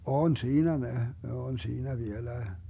on siinä ne ne on siinä vieläkin